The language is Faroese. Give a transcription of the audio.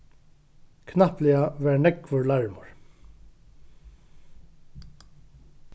knappliga var nógvur larmur